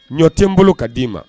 Ɲɔ tɛ n bolo ka d di'i ma